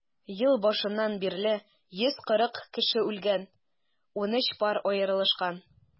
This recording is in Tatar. Ел башыннан бирле 140 кеше үлгән, 13 пар аерылышкан.